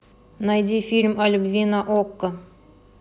найди фильм о любви на окко